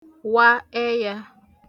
wa ẹyā